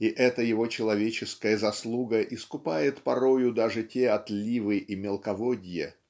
И эта его человеческая заслуга искупает порою даже те отливы и мелководье